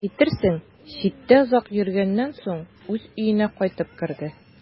Әйтерсең, читтә озак йөргәннән соң үз өенә кайтып керде.